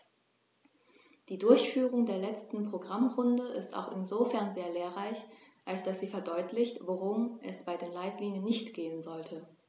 Die Durchführung der letzten Programmrunde ist auch insofern sehr lehrreich, als dass sie verdeutlicht, worum es bei den Leitlinien nicht gehen sollte.